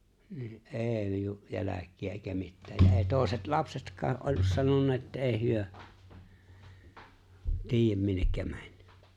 niin ei jälkiä eikä mitään ja ei toiset lapsetkaan ollut sanonut että ei he tiedä minne meni